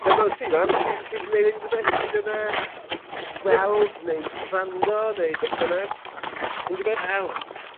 Be' amdano ti man? Ti ti 'di neud unryw beth sydd yn yy neu gweld neu gwrando neu beth bynnag? Unrywbeth? Wel...